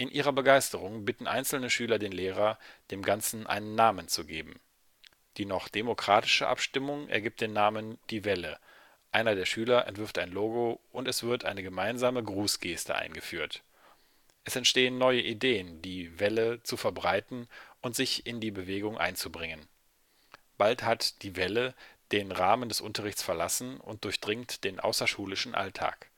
ihrer Begeisterung bitten einzelne Schüler den Lehrer, dem Ganzen einen Namen zu geben. Die noch demokratische Abstimmung ergibt den Namen „ Die Welle “, einer der Schüler entwirft ein Logo und es wird eine gemeinsame Grußgeste eingeführt. Es entstehen neue Ideen, die „ Welle “zu verbreiten und sich in die Bewegung einzubringen. Bald hat die „ Welle “den Rahmen des Unterrichts verlassen und durchdringt den außerschulischen Alltag